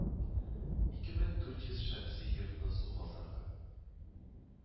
Ике мең дүрт йөз шәхси йортны су басарга